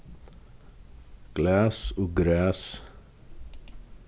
glas og gras